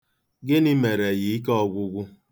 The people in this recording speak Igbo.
Gịnị mere ya ikeọgwụgwụ?